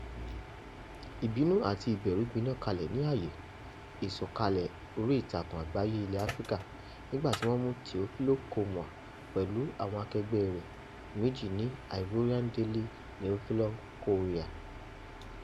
Ìbínú àti ìbẹ̀rù gbiná kalẹ̀ ní àyè ìṣàkọọ́lẹ̀ oríìtakùn àgbáyé ilẹ̀ Áfíríkà nígbà tí wọ́n mú Théophile Kouamouo pẹ̀lú àwọn akẹgbẹ́ rẹ̀ méjì ní Ivorian Daily Le Nouveau Courrier.